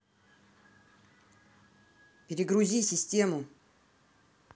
перегрузи систему